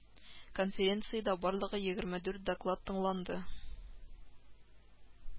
Конференцияда барлыгы егерме дүрт доклад тыңланды